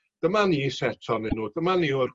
dyma ni set o'nyn n'w dyma ni yw'r